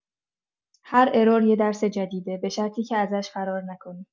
هر ارور یه درس جدیده، به شرطی که ازش فرار نکنی.